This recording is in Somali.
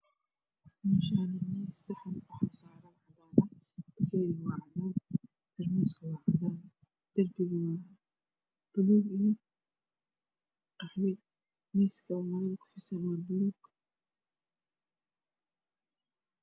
Meeshaani waa saxan cadaan darbiga wa qaxwi miiska marada ku fidsan guduud